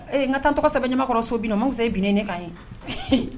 Ee n ka taa n tɔgɔ sɛbɛn ɲamakɔrɔ so bin na , o ma fisa e ka bin ne kan ye?